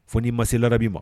Fo n'i ma labi ma